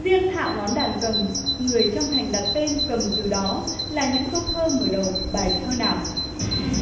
riêng thạo ngón đàn cầm người trong thành đặt tên cầm từ đó là những câu thơ mở đầu bài thơ nào